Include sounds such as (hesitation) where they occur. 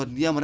(hesitation) (hesitation)